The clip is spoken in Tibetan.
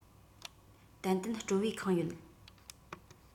ཏན ཏན སྤྲོ བས ཁེངས ཡོད